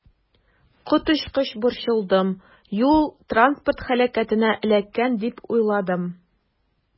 Коточкыч борчылдым, юл-транспорт һәлакәтенә эләккән дип уйладым.